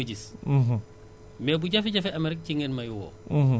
yéen tamit bu ngeen sañoon di ngeen gis tant que tant que amu leen jafe-jafe